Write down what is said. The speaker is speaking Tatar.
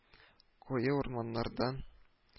- куе урманнардан